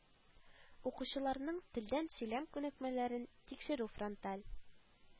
Укучыларның телдəн сөйлəм күнекмəлəрен тикшерү фронталь